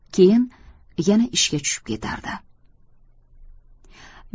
keyin yana ishga tushib ketardi